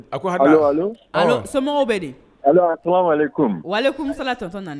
A ko bɛ komisala tɔ nana